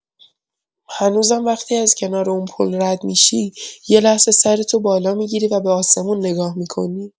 هنوزم وقتی از کنار اون پل رد می‌شی، یه لحظه سرتو بالا می‌گیری و به آسمون نگاه می‌کنی؟